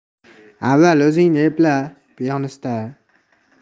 avval o'zingni epla piyonista